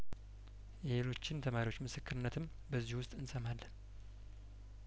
የሌሎችን ተማሪዎች ምስክርነትም በዚሁ ውስጥ እንሰማለን